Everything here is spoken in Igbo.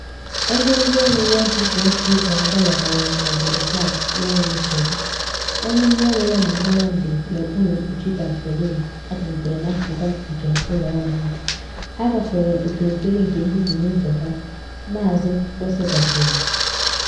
Ebe ndị ọrụ World Vision si Donggala garuru n’obodo Palu na enweghị nsogbu, ebe ndị ọrụ ya na anara ndo n’okpuru mkpuchi tapọlin atọlitere na mpụga nke ụlọ ọrụ ha, ha gafere okirikiri nke mbibi n’ụzọ ha, Maazị Doseba kwuru.